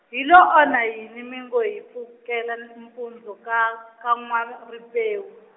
hi lo onha yini mi ngo hi pfukela, m- mpundzu ka, ka N'wa-Ripewu?